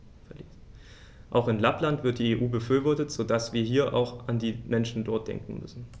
Auch in Lappland wird die EU befürwortet, so dass wir hier auch an die Menschen dort denken müssen.